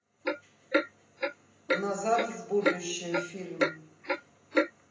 назад в будущее фильм